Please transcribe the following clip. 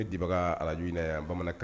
Dibaga arajo in na yan bamanank